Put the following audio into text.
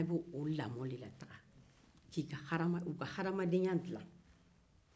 olu b'o lamɔ de ta k'u ka hadamadenya dila